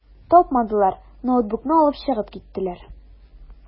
Тапмадылар, ноутбукны алып чыгып киттеләр.